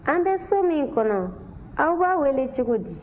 an bɛ so min kɔnɔ aw b'a wele cogo di